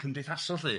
cymdeithasol lly.